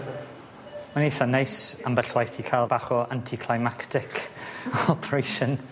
ma'n eitha neis ambell waith i ca'l bach o anticlimactic operation.